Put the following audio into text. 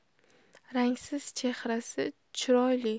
rangsiz chehrasi chiroyli